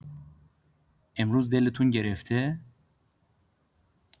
امروز دلتون گرفته؟